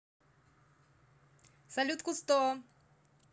салют кусто